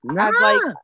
Na!